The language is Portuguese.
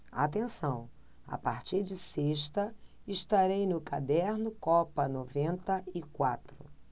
atenção a partir de sexta estarei no caderno copa noventa e quatro